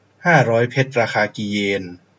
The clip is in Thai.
ห้าร้อยเพชรราคากี่เยน